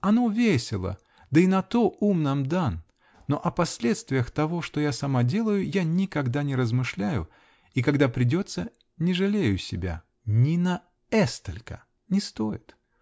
оно весело, да и на то ум нам дан: но о последствиях того, что я сама делаю, я никогда не размышляю, и когда придется, не жалею себя -- ни на эстолько: не стоит.